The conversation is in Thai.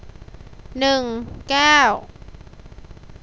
หนึ่งแก้ว